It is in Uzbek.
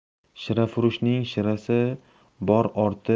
shirafurushning shirasi bor